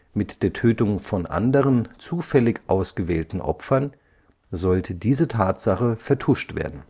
Mit der Tötung von anderen zufällig ausgewählten Opfern sollte diese Tatsache vertuscht werden